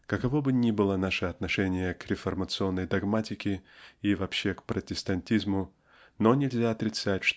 Каково бы ни было наше отношение к реформационной догматике и вообще к протестантизму но нельзя отрицать